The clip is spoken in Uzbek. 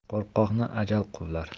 qo'rqoqni ajal quvlar